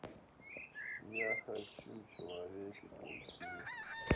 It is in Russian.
я хочу человеки пауки